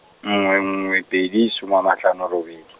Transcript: nngwe nngwe pedi some a ma hlano robedi.